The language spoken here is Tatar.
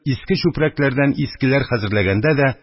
Иске чүпрәкләрдән искеләр хәзерләгәндә дә,